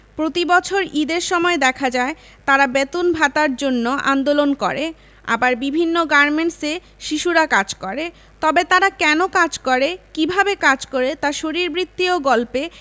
প্রতিবছর ঈদের সময় দেখা যায় তারা বেতন ভাতার জন্য আন্দোলন করে আবার বিভিন্ন গার্মেন্টসে শিশুরা কাজ করে তবে তারা কেন কাজ করে কিভাবে কাজ করে তা শরীরবৃত্তীয় গল্পে